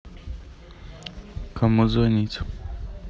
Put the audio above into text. кому звонить